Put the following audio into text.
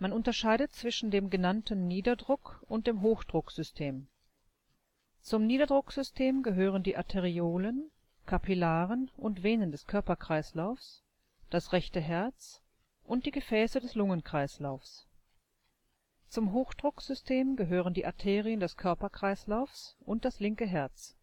unterscheidet zwischen dem genannten Niederdruck - und dem Hochdrucksystem. Zum Niederdrucksystem gehören die Arteriolen, Kapillaren und Venen des Körperkreislaufs, das rechte Herz und die Gefäße des Lungenkreislaufs. Zum Hochdrucksystem gehören die Arterien des Körperkreislaufs und das linke Herz